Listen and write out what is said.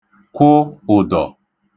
kwụ ụ̀dọ̀